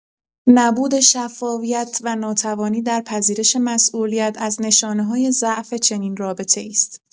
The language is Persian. نبود شفافیت و ناتوانی در پذیرش مسئولیت از نشانه‌های ضعف چنین رابطه‌ای است.